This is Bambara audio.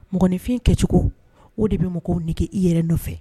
Mɔgɔninfin kɛcogo, o de bɛ mɔgɔw nege i yɛrɛ nɔfɛ